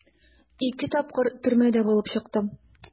Ике тапкыр төрмәдә булып чыктым.